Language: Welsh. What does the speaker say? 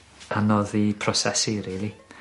anodd i prosesu rili.